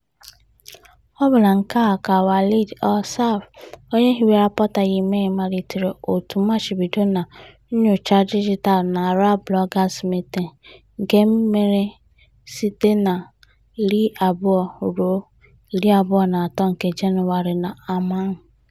Ọ bụ na nke a ka Walid Al-Saqaf, onye hiwere Portal Yemen, malitere òtù mmachibido na nnyocha dijitaalụ n'Arab Bloggers Meeting # AB14 nke mere site na 20-23 nke Jenụwarị n'Amman.